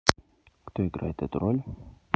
кто играет эту роль